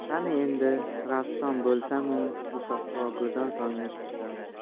qani endi rassom bo'lsamu musaffo go'zal tongni chizsam